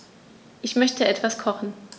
Ich möchte etwas kochen.